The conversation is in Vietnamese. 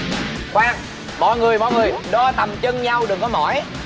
khoan mọi người mọi người đo tầm chân nhau đừng có mỏi